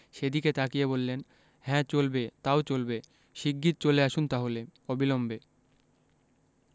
সেদিকে তাকিয়ে বললেন হ্যাঁ চলবে তাও চলবে শিগগির চলে আসুন তাহলে অবিলম্বে